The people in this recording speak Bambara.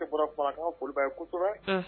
Kan koba ye ko kosɛbɛ